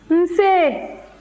nse